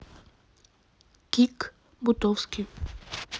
кик бутовский